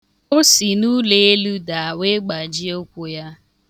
O si n'ụleelu daa wee gbajie ụkwụ ya.